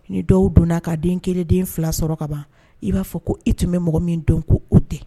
Ni dɔw donna'a ka den 1,den 2 sɔrɔ kaban , i b'a fɔ ko i tun bɛ mɔgɔ min dɔn ko u tɛ.